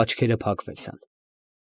Աչքերը փակվեցան։